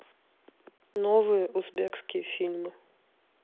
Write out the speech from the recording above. новые узбекские фильмы